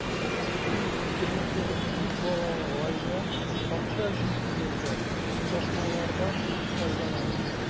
229 күп балалы гаилә бакча өчен түләүдә ташламалардан файдалана.